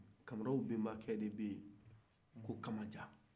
camaraw bɛnbakɛ dɔ bɛ yen ko kamaja